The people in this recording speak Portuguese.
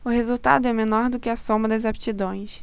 o resultado é menor do que a soma das aptidões